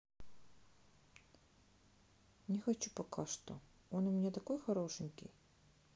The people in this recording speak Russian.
не хочу пока что он у меня там такой хорошенький